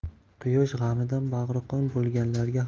quyosh g'amidan bag'ri qon bo'lganlarga